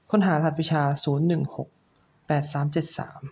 ค้นหารหัสวิชาศูนย์หนึ่งหกแปดสามเจ็ดสาม